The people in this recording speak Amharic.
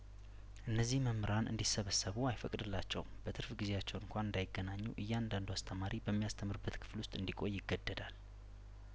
እነዚህ መምህራን እንዲ ሰበሰቡ አይፈቅድላቸውም በትርፍ ጊዜያቸው እንኳን እንዳይገናኙ እያንዳንዱ አስተማሪ በሚያስተምርበት ክፍል ውስጥ እንዲቆይ ይገደዳል